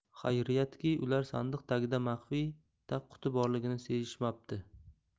xayriyatki ular sandiq tagida maxfiy tagquti borligini sezishmabdi